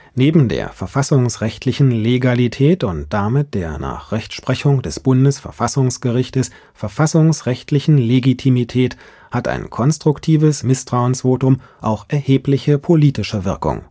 Neben der verfassungsrechtlichen Legalität und damit der – nach Rechtsprechung des Bundesverfassungsgerichtes – verfassungsrechtlichen Legitimität hat ein konstruktives Misstrauensvotum auch erhebliche politische Wirkung